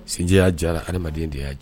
Sinjiya diyara, adamaden de y'a diya